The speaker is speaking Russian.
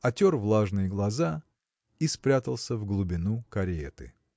отер влажные глаза и спрятался в глубину кареты.